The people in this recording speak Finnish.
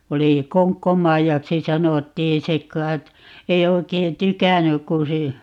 oli Konkko-Maijaksi sanottiin se kai ei oikein tykännyt kun -